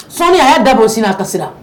Sanini a ye dabɔ sin a kasira